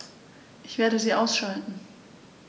Ich werde sie ausschalten